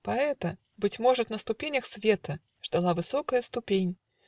Поэта, Быть может, на ступенях света Ждала высокая ступень.